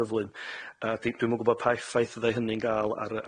gyflym a di- dwi'm yn gwbod pa effaith fydde hynny'n ga'l ar